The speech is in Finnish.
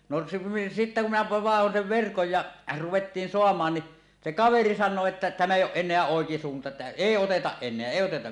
no se sitten kun minä vaihdoin sen verkon ja ruvettiin saamaan niin se kaveri sanoo että tämä ei ole enää oikisuunta että ei oteta enää ei oteta